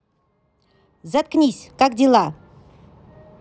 заткнись как дела